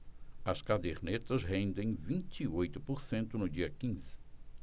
as cadernetas rendem vinte e oito por cento no dia quinze